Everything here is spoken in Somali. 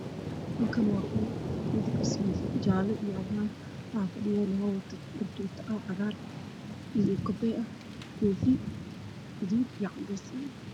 Meeshaan waxaa fadhiya ciidan waxay wataan tooto midow iyo cadaan ah koonfur